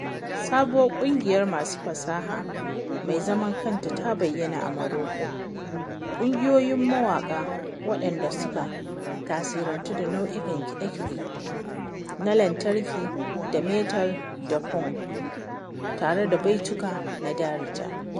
Sabuwar ƙungiyar masu fasaha mai zaman kanta ta bayyana a Maroko, ƙungiyoyin mawaƙa waɗanda suka tasirantu da nau'ikan kiɗe-kiɗe na lantarki da metal da punk tare da baituka na Darija.